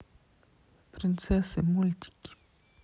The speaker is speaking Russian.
принцессы мультики